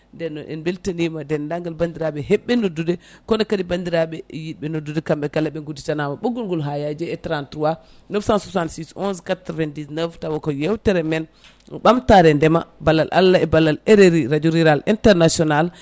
nden noon en beltanima dendagal bandiraɓe hebɓe noddude kono kadi bandiraɓe yidɓe noddude kamɓe kala ɓe gudditanama ɓoggol ngol ha yaaji e 33 966 11 99 taw ko yewtere men ɓamtare ndeema ballal Allah e ballal RRI radio rural international